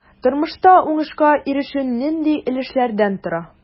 Тормышта уңышка ирешү нинди өлешләрдән тора?